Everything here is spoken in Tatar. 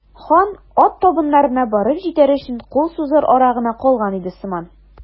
Хан ат табыннарына барып җитәр өчен кул сузыр ара гына калган иде сыман.